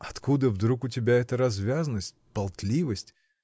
— Откуда вдруг у тебя эта развязность, болтливость?